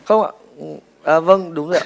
không ạ à vâng đúng rồi ạ